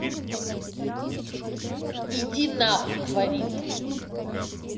иди нахуй тварина